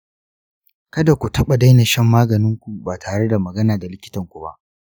kada ku taɓa daina shan maganin ku ba tare da magana da likitan ku ba.